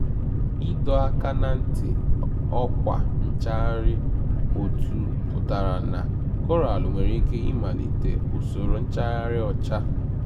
Ịdọ Aka Ná Ntị Ọkwa nchaghari Otu pụtara na Koraalụ nwere ike ịmalite usoro nchagharị ọcha.